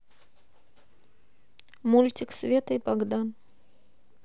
мультик света и богдан